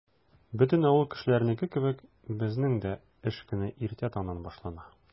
Бөтен авыл кешеләренеке кебек, безнең дә эш көне иртә таңнан башлана.